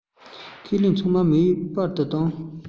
ཁས ལེན ཚང མ མེད པ དུ བཏང